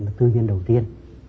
tư nhân đầu tiên